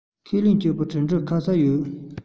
ཁས ལེན སྤྱི པའི འགྲིམ འགྲུལ ཁ གསབ ཡོད